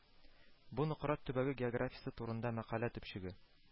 Бу Нократ төбәге географиясе турында мәкалә төпчеге